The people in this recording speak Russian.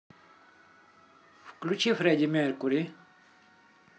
включи фредди меркьюри